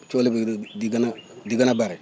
cóolóol gi di gën a di gën a bëre